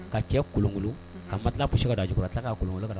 Ka cɛ kolonkolon ka ma tila su ka dakura a tila k' kolonkolon ka